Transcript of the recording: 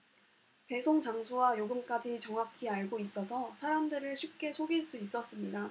배송장소와 요금까지 정확히 알고 있어서 사람들을 쉽게 속일 수 있었습니다